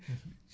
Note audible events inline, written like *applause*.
*hesitation* *hesitation*